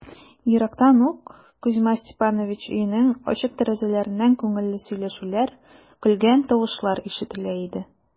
Ерактан ук Кузьма Степанович өенең ачык тәрәзәләреннән күңелле сөйләшүләр, көлгән тавышлар ишетелә иде.